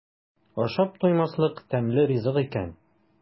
Ашап туймаслык тәмле ризык икән.